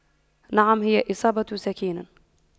نعم هي إصابة سكين